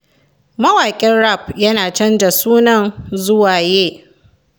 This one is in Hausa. Mawaƙin Rap yana canza sunan - zuwa Ye.